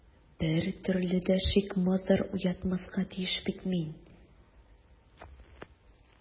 Бер төрле дә шик-мазар уятмаска тиеш бит мин...